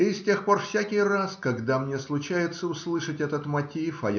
И с тех пор всякий раз, когда мне случается услышать этот мотив,